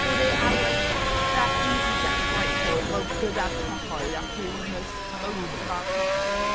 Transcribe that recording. Bod e ar like that Easy Jet flight though fel gyda'r cyhoedd after being one of the most... I know! ...spoken about people.